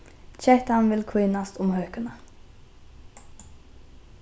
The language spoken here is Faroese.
kettan vil kínast um høkuna